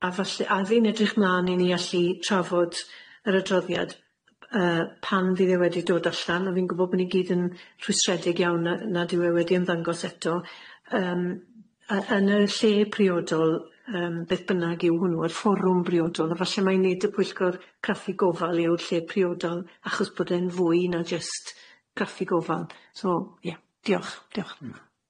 A falle- a fi'n edrych mlân i ni allu trafod yr adroddiad yy pan fydd e wedi dod allan a fi'n gwbo bo' ni gyd yn rhwystredig iawn yy nad yw e wedi ymddangos eto yym yy yn y lle priodol yym beth bynnag yw hwnnw y fforwm briodol a falle mai nid y Pwyllgor Craffu Gofal yw'r lle priodol achos bod e'n fwy na jyst graffig gofal so ia diolch diolch.